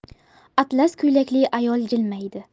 atlas ko'ylakli ayol jilmaydi